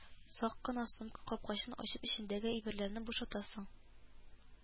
Сак кына сумка капкачын ачып эчендәге әйберләрне бушатасың